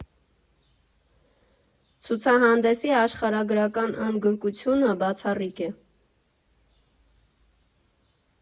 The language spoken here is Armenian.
Ցուցահանդեսի աշխարհագրական ընդգրկունությունը բացառիկ է.